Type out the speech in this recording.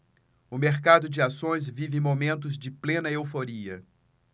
o mercado de ações vive momentos de plena euforia